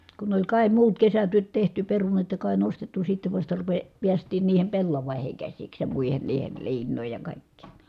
kun oli kai muut kesätyöt tehty perunat ja kai nostettu sitten vasta - päästiin niihin pellaviin käsiksi ja muihin niihin liinoihin ja kaikkiin